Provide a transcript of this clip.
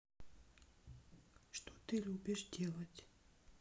что ты любишь делать